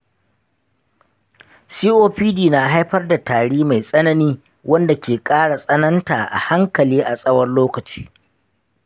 copd na haifar da tari mai tsanani wanda ke ƙara tsananta a hankali a tsawon lokaci.